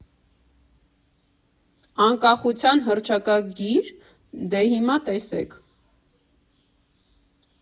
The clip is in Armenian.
Անկախության հռչակագի՞ր, դե՛ հիմա տեսեք։